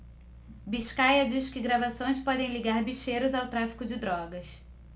biscaia diz que gravações podem ligar bicheiros ao tráfico de drogas